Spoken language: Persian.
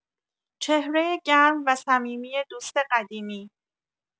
چهره گرم و صمیمی دوست قدیمی